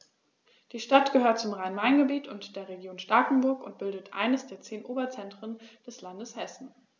Die Stadt gehört zum Rhein-Main-Gebiet und der Region Starkenburg und bildet eines der zehn Oberzentren des Landes Hessen.